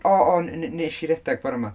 O, o n- n- wnes i redeg bore 'ma.